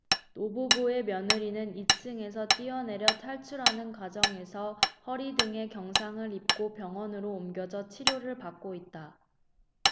노부부의 며느리는 이 층에서 뛰어내려 탈출하는 과정에서 허리 등에 경상을 입고 병원으로 옮겨져 치료를 받고 있다